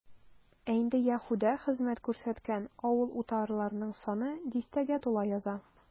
Ә инде Яһүдә хезмәт күрсәткән авыл-утарларның саны дистәгә тула яза.